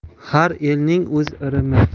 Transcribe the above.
har elning o'z irimi